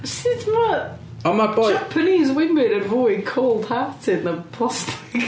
Sut mae... Ond ma'r boi... Japanese women yn fwy cold hearted na plastig.